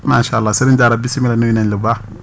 macha allah Sezrigne Daro bisimilah nuyu nañ la bu baax